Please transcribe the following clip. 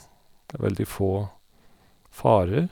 Det er veldig få farer.